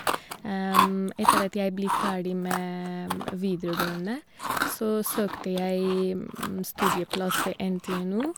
Etter at jeg bli ferdig med videregående, så søkte jeg studieplass ved NTNU.